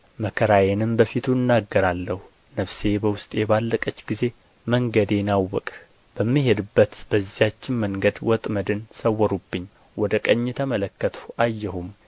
መከራዬንም በፊቴ እናገራለሁ ነፍሴ በውስጤ ባለቀች ጊዜ መንገዴን አወቅሁ በምሄድባት በዚያች መንገድ ወጥመድን ሰወሩብኝ ወደ ቀኝ ተመለከትሁ አየሁም